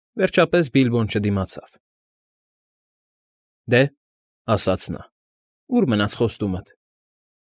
Վերջապես Բիլբոն չդիմացավ. ֊ Դե,֊ ասաց նա,֊ ո՞ւր մնաց խոստումդ։